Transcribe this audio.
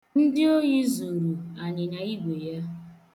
Ndị ohi zuru anyịnyaigwe ya.